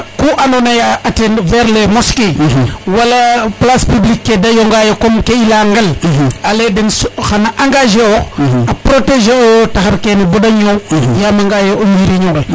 ku ando naye a atteindre vers les mosqués wala place public ke de yonga yo comme ke i leya ngel ale den xana engager ox a proteger ox taxar kene bada ñow yama a nga a yo o njirño nge